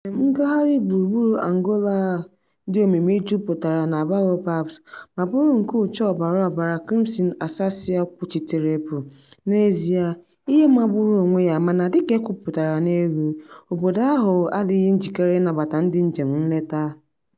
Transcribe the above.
Njem ngagharị gburugburu Angola a dị omimi jupụtara na baobabs ma bụrụ nke ụcha ọbara ọbara Crimson Acacia kpuchitere bụ, n'ezie, ihe magburu onwe ya, mana dịka e kwupụtara n'elu, obodo ahụ adịghị njikere ịnabata ndị njem nleta.